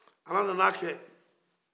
ala nana a kɛ